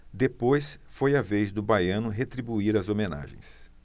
depois foi a vez do baiano retribuir as homenagens